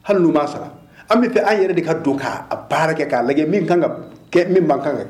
Hali nu ma sara. An bi fɛ an yɛrɛ de ka don ka baara kɛ . ka ladɛ min kan ka kɛ min man ka kɛ.